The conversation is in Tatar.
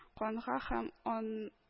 Канга һәм ан